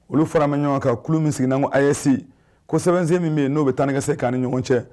Olu fara ma ɲɔgɔn kan kulu min sigina a yese ko sɛbɛnsen min yen n'o bɛ tan nɛgɛsɛ k' ni ɲɔgɔn cɛ